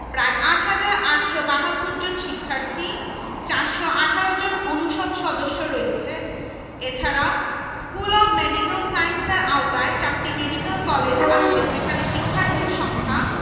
প্রায় ৮ হাজার ৮৭২ জন শিক্ষার্থী ৪১৮ জন অনুষদ সদস্য রয়েছে এছাড়া স্কুল অব মেডিক্যাল সায়েন্সের আওতায় চারটি মেডিক্যাল কলেজ আছে যেখানে শিক্ষার্থীর সংখ্যা